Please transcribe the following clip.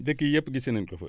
dëkk yii yépp gisee nañ ko fa